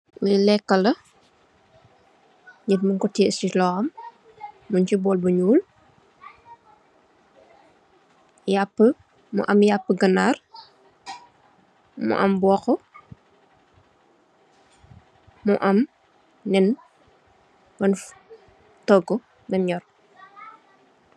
Li nekka la nit muñ ko teyeh ci loxom mung ci bool bu ñuul, mu am yapú ganarr mu am mboxu, mu am neen buñ tóógu bem ñor.